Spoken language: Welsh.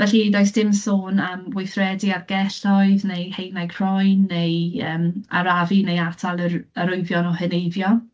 Felly, does dim sôn am weithredu ar gelloedd, neu haenau croen, neu yym arafu neu atal yr arwyddion o heneiddio.